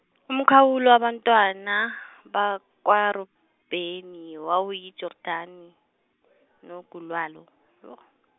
umkhawulo wabantwana bakwaRubeni wawuyiJordani, nogu lwalo yo.